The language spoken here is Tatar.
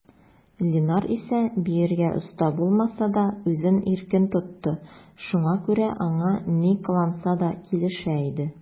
Линар исә, биергә оста булмаса да, үзен иркен тотты, шуңа күрә аңа ни кыланса да килешә иде.